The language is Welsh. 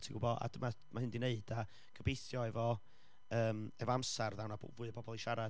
ti'n gwybod, a dyma ma' hyn 'di nweud, a gobeithio efo, yym, efo amser ddaw 'na bw- fwy o bobl i siarad